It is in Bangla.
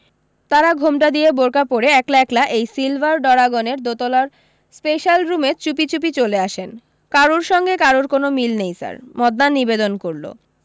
তারা ঘোমটা দিয়ে বোরখা পরে একলা একলা এই সিলভার ডরাগনের দোতলার স্পেশাল রুমে চুপি চুপি চলে আসেন কারুর সঙ্গে কারুর কোনো মিল নেই স্যার মদনা নিবেদন করলো